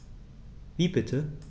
Wie bitte?